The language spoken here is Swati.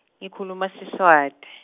ngikhuluma Siswati.